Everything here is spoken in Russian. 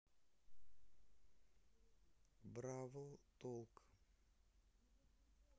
бравл толк